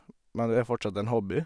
Men det er fortsatt en hobby.